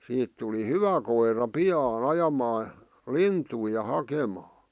siitä tuli hyvä koira pian ajamaan lintuja ja hakemaan